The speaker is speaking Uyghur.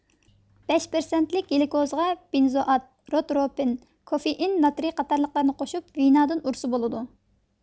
بەش پىرسەنتلىك گلۇكوزىغا بېنزوئات روتروپىن كوفېئىن ناترىي قاتارلىقلارنى قوشۇپ ۋىنادىن ئۇرسا بولىدۇ